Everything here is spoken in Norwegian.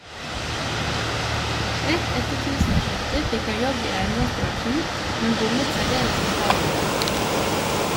Rett etter tusenårsskiftet fikk han jobb i eiendomsbransjen - men bommet særdeles med timinga.